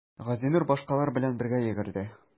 Газинур башкалар белән бергә йөгерде.